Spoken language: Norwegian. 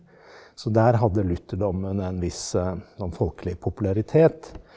så der hadde lutherdommen en viss sånn folkelig popularitet.